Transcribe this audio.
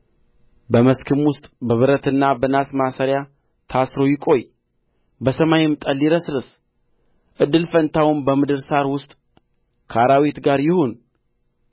በመስክም ውስጥ በብረትና በናስ ማሰሪያ ታስሮ ይቈይ በሰማይም ጠል ይረስርስ እድል ፈንታውም በምድር ሣር ውስጥ ከአራዊት ጋር ይሁን